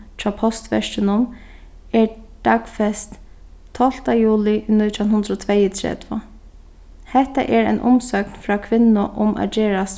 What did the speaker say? hjá postverkinum er dagfest tólvta juli nítjan hundrað og tveyogtretivu hetta er ein umsókn frá kvinnu um at gerast